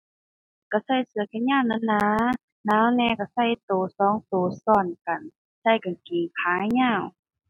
ก็ใส่เสื้อแขนยาวหนาหนา หนาวแหน่ก็ใส่ก็สองก็ซ้อนกัน ใส่กางเกงขายาว